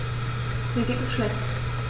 Mir geht es schlecht.